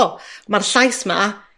o, ma'r llais 'ma